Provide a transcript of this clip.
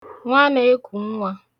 nwanēkùnwā